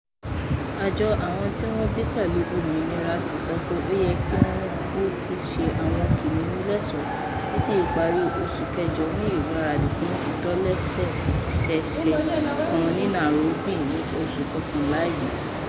Àjọ Àwọn tí wọ́n bí pẹ̀lú òmìnira ti sọ pé ó yẹ kí wọ́n ó ti ṣe àwọn kìnnìún lọ́ṣọ̀ọ́ títí ìparí oṣù Kẹjọ ní ìgbáradì fún ìtòlẹ́sẹẹsẹ kan ní Nairobi ní oṣù Kọkànlá yìí.